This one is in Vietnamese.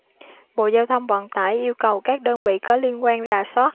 bộ giao thông vận tải yêu cầu các đơn vị có liên quan rà soát